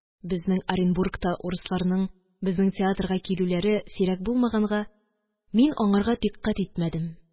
Безнең Оренбургта урысларның безнең театрга килүләре сирәк булмаганга, мин аңарга дикъкать итмәдем